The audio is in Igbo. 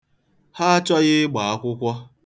Ha achọghị ịgba akwụkwọ.